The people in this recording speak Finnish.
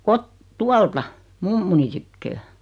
- tuolta mummoni tyköä